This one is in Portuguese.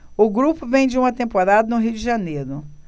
o grupo vem de uma temporada no rio de janeiro